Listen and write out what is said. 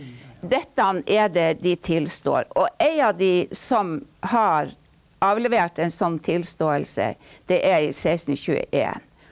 dette er det de tilstår, og ei av de som har avlevert en sånn tilståelse, det er i sekstentjueén.